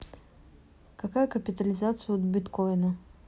какая капитализация у биткоина